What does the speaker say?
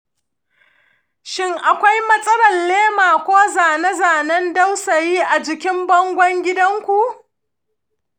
shin akwai matsalar laima ko zane-zanen dausayi a jikin bangon gidanku?